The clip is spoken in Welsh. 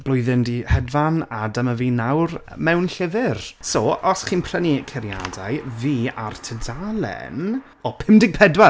blwyddyn 'di hedfan a dyma fi nawr mewn llyfr. So, os chi'n prynu Curiadau, fi, ar tudalen, o pumdeg pedwar!